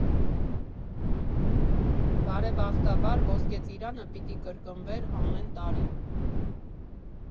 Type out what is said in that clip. Բարեբախտաբար, Ոսկե ծիրանը պիտի կրկնվեր ամեն տարի։